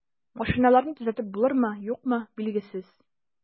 Машиналарны төзәтеп булырмы, юкмы, билгесез.